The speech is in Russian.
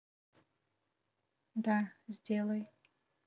да сделай